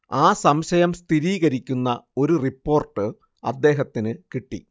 ആ സംശയം സ്ഥിരീകരിക്കുന്ന ഒരു റിപ്പോർട്ട് അദ്ദേഹത്തിന് കിട്ടി